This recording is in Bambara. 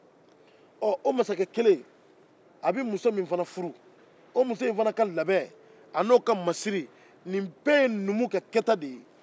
ɔɔ masakɛ kelen a bɛ muso min fana furu o muso ka labɛn ani o fana ka masiri nin bɛɛ ye numu ka kɛta de ye